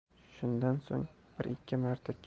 shundan so'ng bir ikki marta